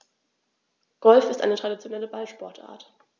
Golf ist eine traditionelle Ballsportart.